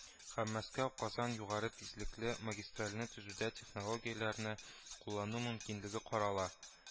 Һәм “мәскәү - казан” югары тизлекле магистральны төзүдә технологияләрне куллану мөмкинлеге карала